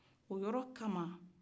o yɔrɔ kama